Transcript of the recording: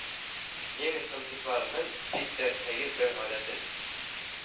Немец танкистларының бик тә сәер бер гадәтен